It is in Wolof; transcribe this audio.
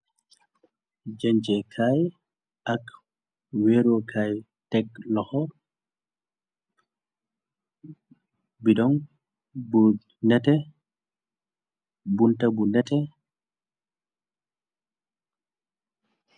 Jëntekaay ak wéerokaay tekk loho bidoŋ bu nètè, bunta bu nètè.